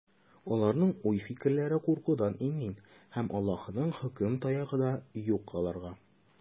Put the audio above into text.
Аларның уй-фикерләре куркудан имин, һәм Аллаһының хөкем таягы да юк аларга.